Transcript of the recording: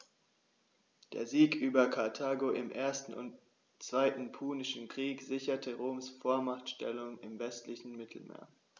Der Sieg über Karthago im 1. und 2. Punischen Krieg sicherte Roms Vormachtstellung im westlichen Mittelmeer.